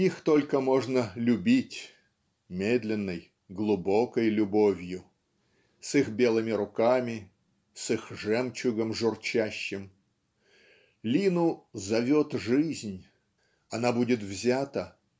Их только можно любить "медленной глубокой" любовью с их белыми руками с их жемчугом журчащим. Лину "зовет жизнь она будет взята